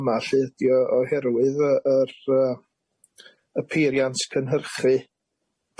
yma lly ydi o- oherwydd y yr yy y peiriant cynhyrchu